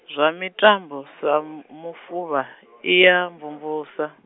zwa mitambo sa m- mufuvha, i ya mvumvusa.